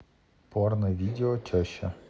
порно видео теща